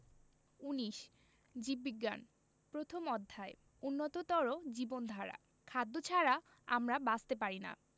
১৯ জীববিজ্ঞান প্রথম অধ্যায় উন্নততর জীবনধারা খাদ্য ছাড়া আমরা বাঁচতে পারি না